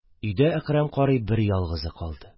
Өйдә Әкрәм карый берьялгызы калды.